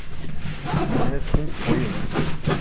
meni tinch qo'ying